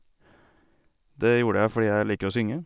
Det gjorde jeg fordi jeg liker å synge.